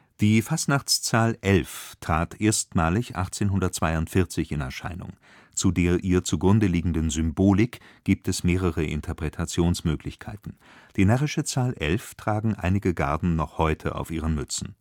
Die Fastnachtszahl „ 11 “trat erstmalig 1842 in Erscheinung. Zu der ihr zugrunde liegenden Symbolik gibt es mehrere Interpretationsmöglichkeiten. Die närrische Zahl 11 tragen einige Garden noch heute auf ihren Mützen